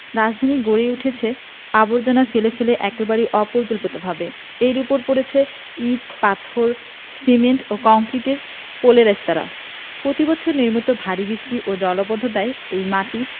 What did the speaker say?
রাজধানী গড়েই উঠেছে আবর্জনা ফেলে ফেলে একেবারেই অপরিকল্পিতভাবে এর ওপর পড়েছে ইট পাথর সিমেন্ট ও কংক্রিটের পলেস্তারা প্রতিবছর নিয়মিত ভারি বৃষ্টি ও জলাবদ্ধতায় এই মাটি